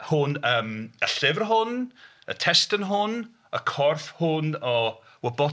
Hwn. Yym y llyfr hwn, y testun hwn, y corff hwn o...